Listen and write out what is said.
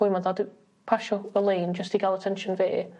boi 'ma'n dad yy pasio y lein jyst i ga'l attention fi